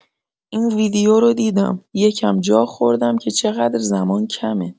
این ویدیو رو دیدم، یکم جا خوردم که چقدر زمان کمه.